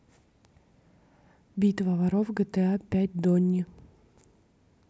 битва воров гта пять донни